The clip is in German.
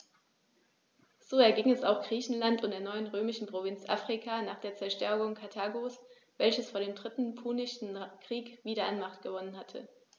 So erging es auch Griechenland und der neuen römischen Provinz Afrika nach der Zerstörung Karthagos, welches vor dem Dritten Punischen Krieg wieder an Macht gewonnen hatte.